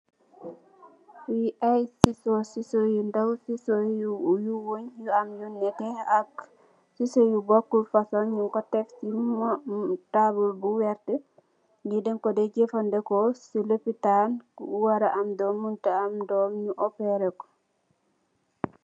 Fi ay sisor yu ndaw sisor yu wunn yu am yu nete ak sisor yu bugut fosong nyun ko tek si mo si tabul bu werta li den ko dex jefendeko si lopitaan ko wara am dom munta am dom nyu opere ko.